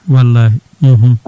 wallahi